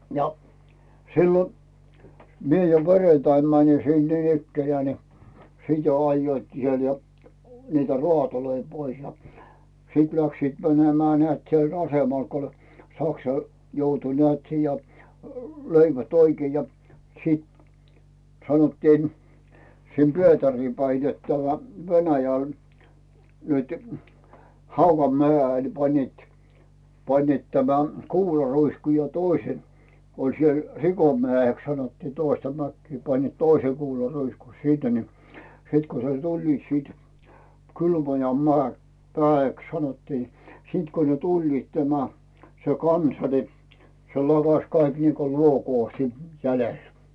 ja silloin minä jo perjantaina menin sinne niinikään niin sitten jo ajoivatkin siellä ja niitä raatoja pois ja sitten lähtivät menemään näet siellä asemalla kun oli Saksa joutui näet siihen ja löivät oikein ja sitten sanottiin sinne Pietariin päin että tämä Venäjälle nyt Haudanmäelle panivat panivat tämän kuularuiskun ja toiset oli siellä Rikonmäeksi sanottiin toista mäkeä panivat toisen kuularuiskun sinne niin sitten kun ne tulivat sitten Kylmäojan - mäeksi sanottiin niin sitten kun ne tulivat tämä se kansa niin se lakaisi kaikki niin kuin luokoa sitten jäljelle